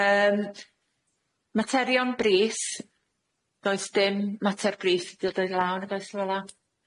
Yym materion brys, does dim mater bris di ddweud law nag oes Lona?